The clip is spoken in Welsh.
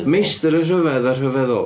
Meistr y Rhyfedd a'r Rhyfeddol.